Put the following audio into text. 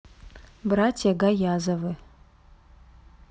братья гаязовы